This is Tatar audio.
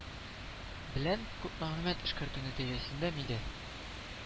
Белән, күп мәгълүмат эшкәртү нәти әсендә, мидә